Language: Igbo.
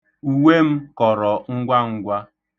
Uwe m kọrọ ngwangwa.